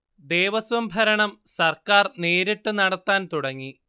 ദേവസ്വം ഭരണം സർക്കാർ നേരിട്ടു നടത്താൻ തുടങ്ങി